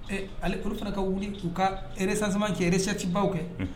Ee ale olu fana ka wIli K'u ka recensements kɛ k'u ka recette baw kɛ